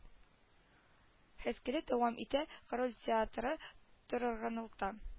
Хаскелл дәвам итте - король театры торгынлыкта